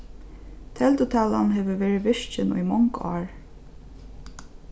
teldutalan hevur verið virkin í mong ár